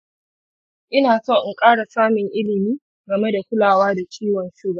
ina son in ƙara samun ilimi game da kulawa da ciwon suga.